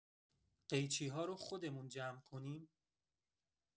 قیچی‌ها رو خودمون جمع کنیم؟